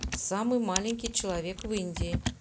самый маленький человек в индии